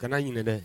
Kana ɲin dɛ